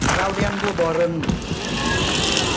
gao đen vua bò rừng